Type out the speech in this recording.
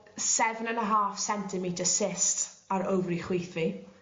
seven an' a half centimeter cyst ofari chwith fi.